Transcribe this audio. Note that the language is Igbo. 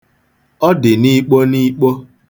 Ọ dị n'ikpo n'ikpo.